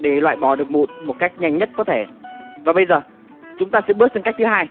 để loại bỏ được mụn cách nhanh nhất có thể và bây giờ chúng ta sẽ bước sang cách thứ